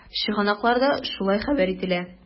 Чыганакларда шулай хәбәр ителә.